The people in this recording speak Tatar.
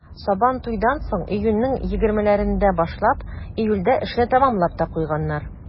Сабантуйдан соң, июньнең егермеләрендә башлап, июльдә эшне тәмамлап та куйганнар.